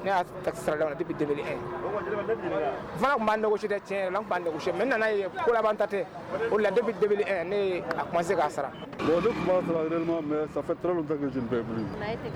Ne y'a taxe sarali daminɛ depuis 2001 , n fana tun b'a négocier dɛ, tiɲɛ yɛrɛ la, n tun b'a négocier mais n nana ye ko laban ta tɛ . O de la depuis 2001 ne ye à commencer k'a sara. Bon ne tun b'a sara réellement mais ça fait tres longtemps que je ne paie plus ; Merci .